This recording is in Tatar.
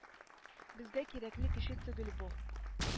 «безгә кирәкле кеше түгел бу!»